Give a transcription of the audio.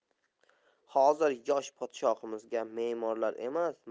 hozir yosh podshohimizga memorlar emas